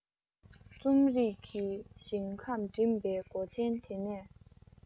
རྩོམ རིག གི ཞིང ཁམས འགྲིམས པའི སྒོ ཆེན འདི ནས